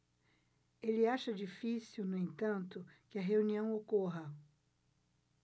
ele acha difícil no entanto que a reunião ocorra